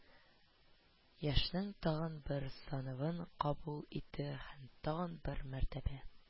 Ешнең тагын бер сынавын кабул итте һәм тагын бер мәртәбә